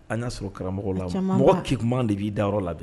An ɲ'a sɔrɔ karamɔgɔw la o a caman ba mɔgɔ kekuman de b'i dayɔrɔ labɛn